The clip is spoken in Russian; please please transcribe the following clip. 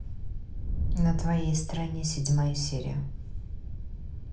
на твоей стороне седьмая серия